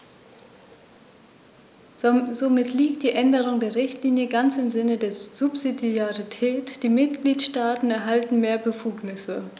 Somit liegt die Änderung der Richtlinie ganz im Sinne der Subsidiarität; die Mitgliedstaaten erhalten mehr Befugnisse.